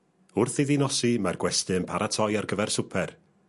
Wrth iddi nosi mae'r gwesty yn paratoi ar gyfer swper.